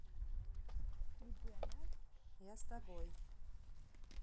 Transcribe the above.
а с тобой